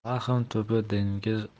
vahm tubi dengiz